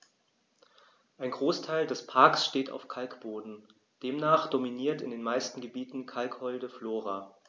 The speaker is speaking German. Ein Großteil des Parks steht auf Kalkboden, demnach dominiert in den meisten Gebieten kalkholde Flora.